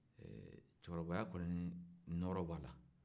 cɛkɔrɔbaya kɔni nɔɔrɔ b'a la